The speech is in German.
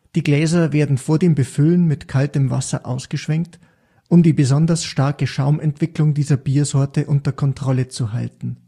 Die Gläser werden vor dem Befüllen mit kaltem Wasser ausgeschwenkt, um die besonders starke Schaumentwicklung dieser Biersorte unter Kontrolle zu halten